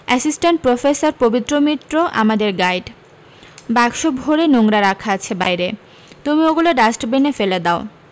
assistant professor Pabitra Mitra আমাদের guide বাক্স ভরে নোংরা রাখা আছে বাইরে তুমি ওগুলো ডস্টবিনে ফেলে দাও